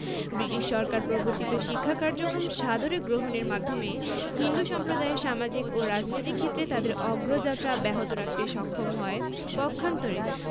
British কর্তৃক প্রবর্তিত শিক্ষা কার্যক্রম সাদরে গ্রহণের মাধ্যমে হিন্দু সম্প্রদায় সামাজিক ও রাজনৈতিক ক্ষেত্রে তাদের অগ্রযাত্রা অব্যাহত রাখতে সক্ষম হয় পক্ষান্তরে